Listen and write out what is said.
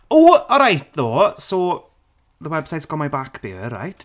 Oh, alright though, so the website's got my back by 'ere, right?